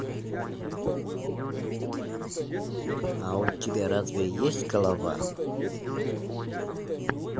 а у тебя разве есть голова